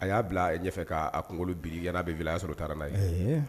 A y'a bila a ɲɛfɛ fɛ k'a kunkolo b ɲɛnaana bɛi y'a sɔrɔ taara n'a ye